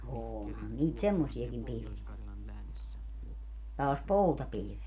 onhan niitä semmoisiakin pilviä taas poutapilvet